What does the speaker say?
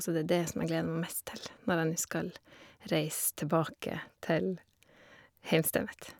Så det er det som jeg gleder meg mest til når jeg nu skal reise tilbake til heimstedet mitt.